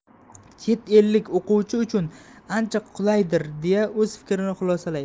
chet ellik o'quvchi uchun ancha qulaydir deya o'z fikrini xulosalaydi